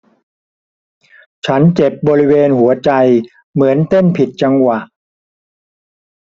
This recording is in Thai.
ฉันเจ็บบริเวณหัวใจเหมือนเต้นผิดจังหวะ